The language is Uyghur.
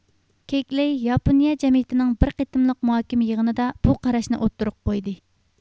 كىگلېي ياپونىيە جەمئىيىتىنىڭ بىر قېتىملىق مۇھاكىمە يىغىنىدا بۇ قاراشنى ئوتتۇرغا قويدى